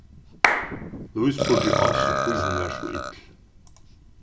lív spurdi ásu hví hon var so ill